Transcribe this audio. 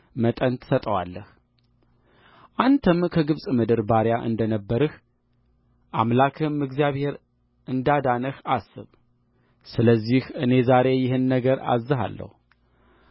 መጠን ትሰጠዋለህ አንተም በግብፅ ምድር ባሪያ እንደ ነበርህ አምላክህም እግዚአብሔር እንዳዳነህ አስብ ስለዚህ እኔ ዛሬ ይህን ነገር አዝዝሃለሁ